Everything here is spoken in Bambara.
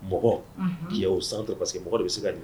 Mɔgɔ o san pa que mɔgɔ de bɛ se ka